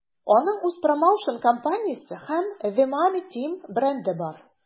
Аның үз промоушн-компаниясе һәм The Money Team бренды бар.